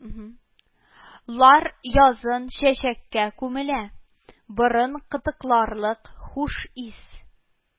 Лар язын чәчәккә күмелә, борын кытыкларлык хуш ис